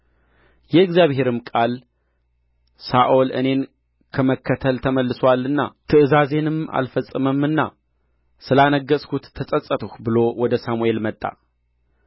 የእግዚአብሔርም ቃል ሳኦል እኔ ከመከተል ተመልሶአልና ትእዛዜንም አልፈጸመምና ስላነገሥሁት ተጸጸትሁ ብሎ ወደ ሳሙኤል መጣ